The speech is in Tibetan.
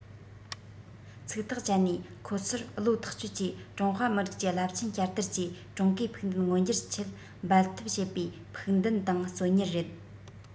ཚིག ཐག བཅད ནས ཁོ ཚོར བློ ཐག ཆོད ཀྱིས ཀྲུང ཧྭ མི རིགས ཀྱི རླབས ཆེན བསྐྱར དར གྱི ཀྲུང གོའི ཕུགས འདུན མངོན འགྱུར ཆེད འབད འཐབ བྱེད པའི ཕུགས འདུན དང བརྩོན གཉེར རེད